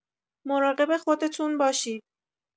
مراقب خودتون باشید!